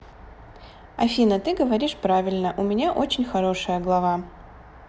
афина ты говоришь правильно у меня очень хорошая глава